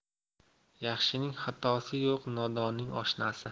yaxshining xatosi yo'q nodonning oshnasi